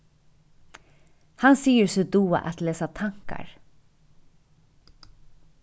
hann sigur seg duga at lesa tankar